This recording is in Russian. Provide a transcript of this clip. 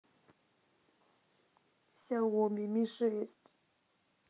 сяоми ми шесть